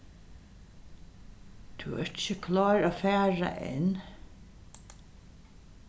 tú ert ikki klár at fara enn